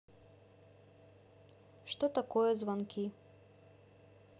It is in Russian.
что такое звонки